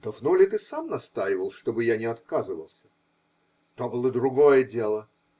-- Давно ли ты сам настаивал, чтобы я не отказывался? -- То было другое дело!